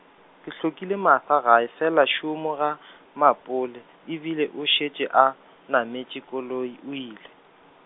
re hlokile Martha gae fela šo mo gaMapole ebile o šetše a, nametše koloi o ile.